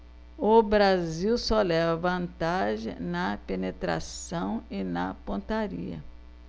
o brasil só leva vantagem na penetração e na pontaria